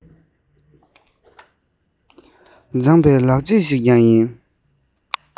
མཛངས པའི ལག རྗེས ཤིག ཀྱང ཡིན